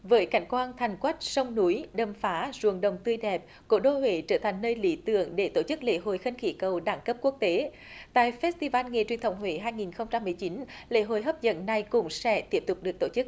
với cảnh quang thành quách sông núi đầm phá ruộng đồng tươi đẹp cố đô huế trở thành nơi lý tưởng để tổ chức lễ hội khinh khí cầu đẳng cấp quốc tế tại festival nghề truyền thống huế hai nghìn không trăm mười chín lễ hội hấp dẫn này cũng sẽ tiếp tục được tổ chức